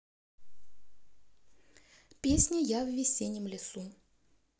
песня я в весеннем лесу